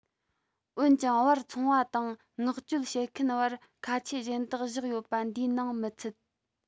འོན ཀྱང བར ཚོང པ དང མངགས བཅོལ བྱེད མཁན བར ཁ ཆད གཞན དག བཞག ཡོད པ འདིའི ནང མི ཚུད